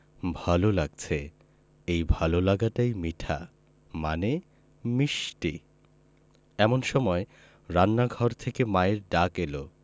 ভালো লাগছে এই ভালো লাগাটাই মিঠা মানে মিষ্টি এমন সময় রান্নাঘর থেকে মায়ের ডাক এলো